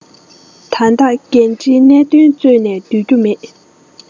ད ལྟ འགན འཁྲིའི གནད དོན ད ནས སྡོད རྒྱུ མེད